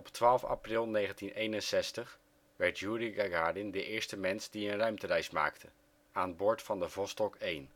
april 1961 werd Joeri Gagarin de eerste mens die een ruimtereis maakte, aan boord van de Vostok 1.